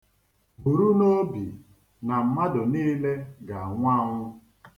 Buru n'obi na mmadụ niile ga-anwụ anwụ.